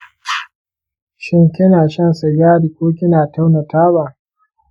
shin kina shan sigari ko kina tauna taba?